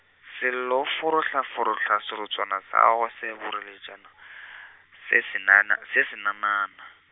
Sello o forohlaforohla serotswana sa gagwe se se boreletšana , se senana, se senanana.